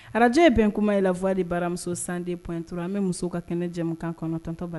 Araj ye bɛn kuma in la fwaadi baramuso sanden p dɔrɔn an bɛ muso ka kɛnɛ jamanakan kɔnɔtɔntɔba